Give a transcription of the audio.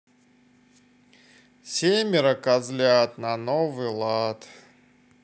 семеро козлят на новый лад